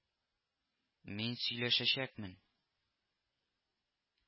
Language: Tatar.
Мин сөйләшәчәкмен